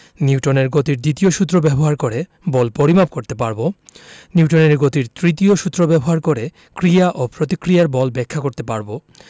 নিউটনের গতির দ্বিতীয় সূত্র ব্যবহার করে বল পরিমাপ করতে পারব নিউটনের গতির তৃতীয় সূত্র ব্যবহার করে ক্রিয়া ও প্রতিক্রিয়া বল ব্যাখ্যা করতে পারব